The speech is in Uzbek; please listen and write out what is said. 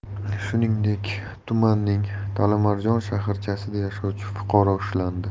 shuningdek tumanning talimarjon shaharchasida yashovchi fuqaro ushlandi